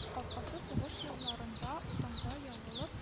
Капкасы сугыш елларында утынга ягылып